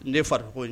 N fari ko